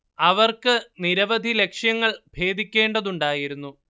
അവർക്ക് നിരവധി ലക്ഷ്യങ്ങൾ ഭേദിക്കേണ്ടതുണ്ടായിരുന്നു